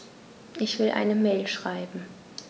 Ich will eine Mail schreiben.